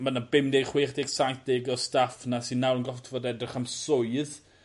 ma' 'na bumdeg chwechdeg saithdeg o staff 'na sy nawr yn goffod fod edrych am swydd